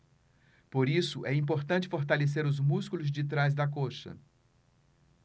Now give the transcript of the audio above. por isso é importante fortalecer os músculos de trás da coxa